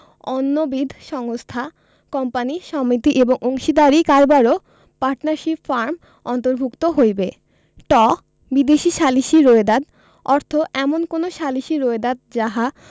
অন্যবিধ সংস্থা কোম্পানী সমিতি এবং অংশীদারী কারবারও পার্টনারশিপ ফার্ম অন্তর্ভুক্ত হইবে ট বিদেশী সালিসী রোয়েদাদ অর্থ এমন কোন সালিসী রোয়েদাদ যাহা